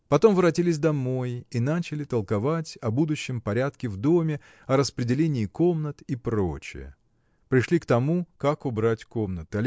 Потом воротились домой и начали толковать о будущем порядке в доме о распределении комнат и прочее. Пришли к тому, как убрать комнаты.